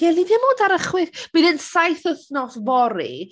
Ie ni ddim ond ar y chwe... bydd e'n saith wythnos fory.